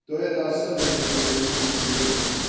то это особенно применимо к ней